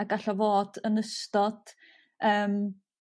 a gall o fod yn ystod yym